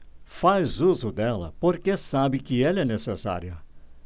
faz uso dela porque sabe que ela é necessária